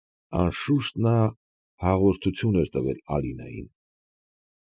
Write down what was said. Անշուշտ նա հաղորդություն էր տվել Ալինային։